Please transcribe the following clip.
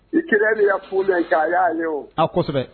I kɛlɛ min' fu mɛn ka y'a ye a kosɛbɛ